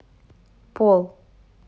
пол